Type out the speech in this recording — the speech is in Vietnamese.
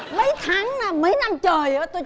mấy tháng mấy năm trời